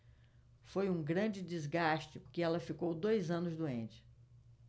foi um grande desgaste porque ela ficou dois anos doente